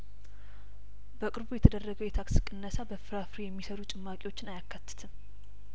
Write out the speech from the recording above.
በቅርቡ የተደረገው የታክስ ቅነሳ በፍራፍሬ የሚሰሩ ጭማቂዎችን አያካትትም